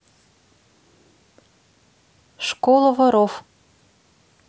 школа воров